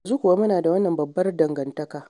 Yanzu kuwa muna da wannan babbar dangantaka.